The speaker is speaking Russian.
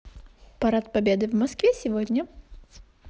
парад победы в москве сегодня